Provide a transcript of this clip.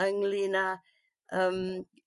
ynglŷn â yym